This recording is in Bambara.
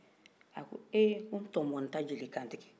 a ko eh n tɔmɔ n ta jeli kantigi